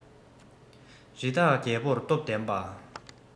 རི དྭགས རྒྱལ པོ སྟོབས ལྡན པ